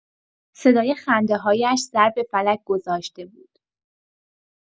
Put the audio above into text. صدای خنده‌هایش سر به فلک گذاشته بود.